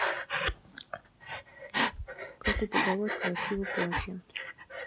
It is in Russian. как упаковать красиво платье